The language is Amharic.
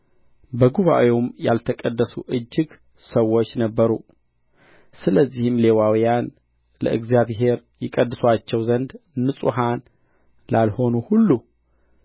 በጉባኤውም ያልተቀደሱ እጅግ ሰዎች ነበሩ ስለዚህም ሌዋውያን ለእግዚአብሔር ይቀድሱአቸው ዘንድ ንጹሐን ላልሆኑት ሁሉ